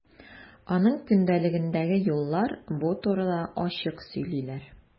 Аның көндәлегендәге юллар бу турыда ачык сөйлиләр.